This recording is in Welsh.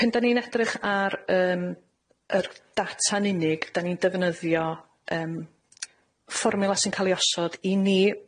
Pen 'dan ni'n edrych ar yym yr data'n unig, dan ni'n defnyddio yym fformiwla sy'n ca'l i osod i ni